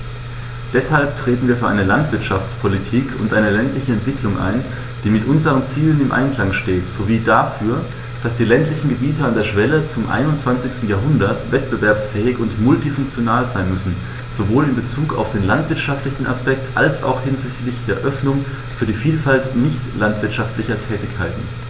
Deshalb treten wir für eine Landwirtschaftspolitik und eine ländliche Entwicklung ein, die mit unseren Zielen im Einklang steht, sowie dafür, dass die ländlichen Gebiete an der Schwelle zum 21. Jahrhundert wettbewerbsfähig und multifunktional sein müssen, sowohl in bezug auf den landwirtschaftlichen Aspekt als auch hinsichtlich der Öffnung für die Vielfalt nicht landwirtschaftlicher Tätigkeiten.